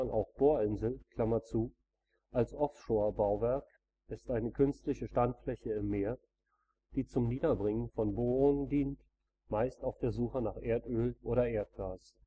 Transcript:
auch Bohrinsel) als Offshorebauwerk ist eine künstliche Standfläche im Meer, die zum Niederbringen von Bohrungen dient, meistens auf der Suche nach Erdöl oder Erdgas